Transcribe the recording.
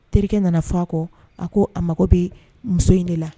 Terikɛ nana fɔ a kɔ a ko a mago be muso in de la